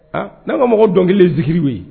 A n'a ma mago dɔnkili kelen ziiriri wuli